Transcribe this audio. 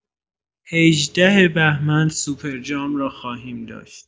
۱۸ بهمن سوپرجام را خواهیم داشت.